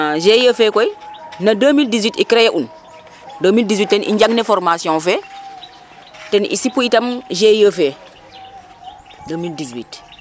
Gie fe koy la 2018 i créer un 2018 ten i njang ne formation fe ten i sipu itam Gie fe 2018